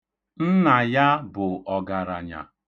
Nna ya bụ ọgaranya.